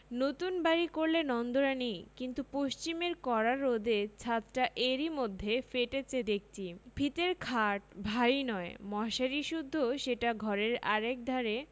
নতুন বাড়ি করলে নন্দরানী কিন্তু পশ্চিমের কড়া রোদে ছাতটা এর মধ্যেই ফেটেচে দেখচি ফিতের খাট ভারী নয় মশারি সুদ্ধ সেটা ঘরের আর একধারে